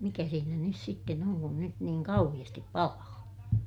mikä siinä nyt sitten on kun nyt niin kauheasti palaa